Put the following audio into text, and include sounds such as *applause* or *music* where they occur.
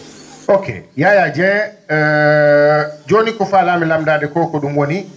ok Yaya Dieng *hesitation* jooni ko paalaami naamndaade ko ko ?um woni